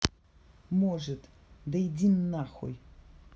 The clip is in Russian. может да иди нахуй